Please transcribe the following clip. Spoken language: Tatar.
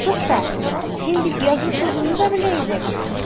Тукта, син бит язу-сызуны да белә идең.